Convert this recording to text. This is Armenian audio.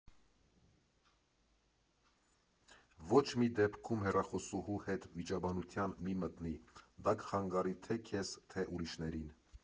Ոչ մի դեպքում հեռախոսուհու հետ վիճաբանության մի մտնի, դա կխանգարի թե՛ քեզ և թե՛ ուրիշներին։